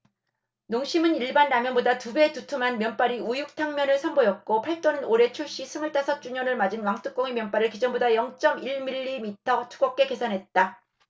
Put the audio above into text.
농심은 일반라면보다 두 배 두툼한 면발의 우육탕면을 선보였고 팔도는 올해 출시 스물 다섯 주년을 맞은 왕뚜껑의 면발을 기존보다 영 쩜 일 밀리미터 두껍게 개선했다